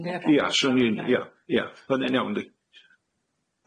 Ydi hynna'n... Ia swn i'n ia ia hynny'n iawn ndi?